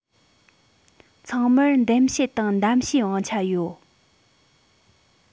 ཚང མར འདེམས བྱེད དང གདམ བྱའི དབང ཆ ཡོད